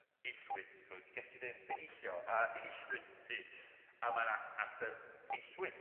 eillwyd ti'wo' ges ti dy dy eillio a eillwyd ti a ma' 'na ateb eillwyd.